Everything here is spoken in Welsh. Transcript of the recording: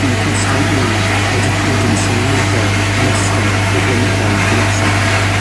Mae costau byw wedi codi'n sylweddol yn ystod y blynyddoedd diwethaf,